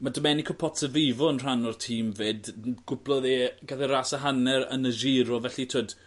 ma' Domenico Pozzovivo yn rhan o'r tîm 'fyd n- gwplodd e gath e ras a hanner yn y Giro felly t'wod